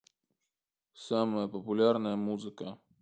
самая популярная музыка